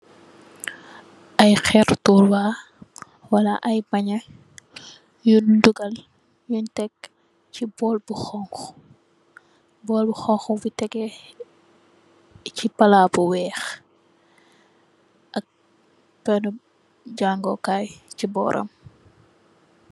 I hettu turba Walla I panyeh nyung dugal nyung tek sey ball bu hunhu ball bu hunhu bu tegeh d sey palat bu weex ak hetu jango kai sey boram.